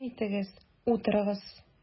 Рәхим итегез, утырыгыз!